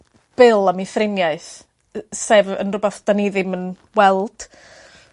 bil am ei thriniaeth sef yn rwbath 'dan ni ddim yn weld.